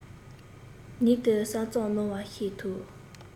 ཉིད དུ གསར རྩོམ གནང བ ཤེས ཐུབ